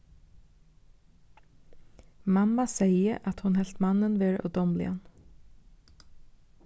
mamma segði at hon helt mannin vera ódámligan